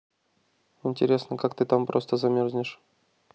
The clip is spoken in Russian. интересно как ты там просто замерзнешь